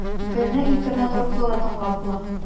Безне интернет аркылы да тыңлап була.